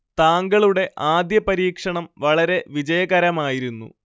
താങ്കളുടെ ആദ്യ പരീക്ഷണം വളരെ വിജയകരമായിരുന്നു